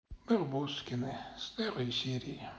барбоскины старые серии